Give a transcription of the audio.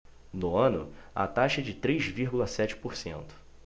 no ano a taxa é de três vírgula sete por cento